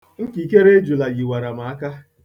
Nkikere ejula yiwara m aka.